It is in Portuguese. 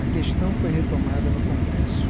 a questão foi retomada no congresso